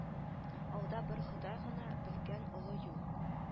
Алда бер ходай гына белгән олы юл